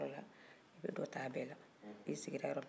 n'i sigira yɔrɔ minna i be dɔ ta yen na n'i sigira yɔrɔ minna i bɛ dɔ ta yen na